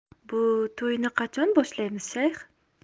bu to'yni qachon boshlaymiz shayx